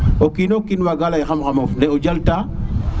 o kiino kiin waga ley xam xam mof ne o jal ta